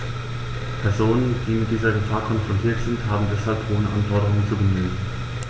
Personen, die mit dieser Gefahr konfrontiert sind, haben deshalb hohen Anforderungen zu genügen.